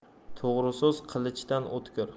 to'g'ri so'z qilichdan o'tkir